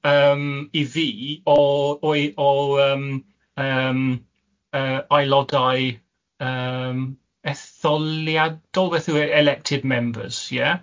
Yym i fi o o yym yym yy ailodau yym etholiadol beth yw e, elective members ie?